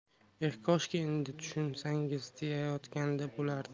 eh koshki edi tushunsangiz deyayotgandek bo'lardi